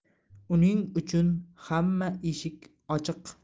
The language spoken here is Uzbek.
uning uchun hamma eshik ochiq